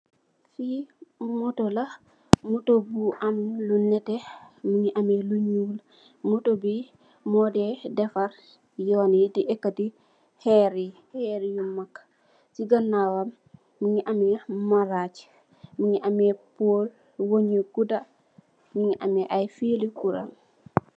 Fi moto la, moto bu am lu nètè, mungi ameh lu ñuul. Moto bi mo dè dèfar yoon yi di ekati hèrr yi, hèrr yu mag. Ci gannawam mungi ameh maraj, mungi ameh pool wënn yu gudda, mungi ameh ay fili kura.